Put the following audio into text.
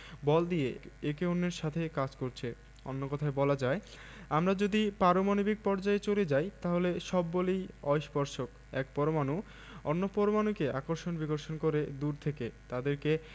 বল দিয়ে একে অন্যের সাথে কাজ করছে অন্য কথায় বলা যায় আমরা যদি পারমাণবিক পর্যায়ে চলে যাই তাহলে সব বলই অস্পর্শক এক পরমাণু অন্য পরমাণুকে আকর্ষণ বিকর্ষণ করে দূর থেকে তাদেরকে